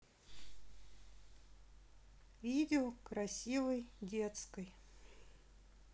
видео красивой детской